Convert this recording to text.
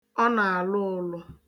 Ọ na-alụ ụlụ.